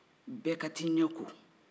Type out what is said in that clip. bɛɛ ka t'ii ɲɛ ko